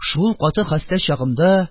Шул каты хәстә чагымда: